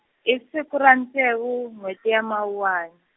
i siku ra ntsevu n'wheti ya Mawuwan-.